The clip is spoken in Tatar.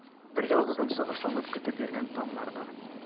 Берьялгызым сагышланып көтеп йөргән таңнар бар.